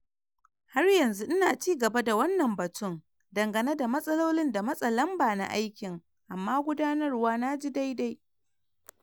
Har yanzu ina ci gaba da wannan batun dangane da matsalolin da matsa lamba na aikin amma gudanarwa na ji daidai.